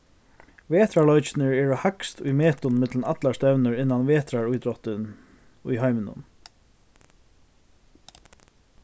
vetrarleikirnir eru hægst í metum millum allar stevnur innan vetrarítróttin í heiminum